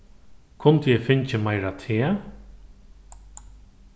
kundi eg fingið meira te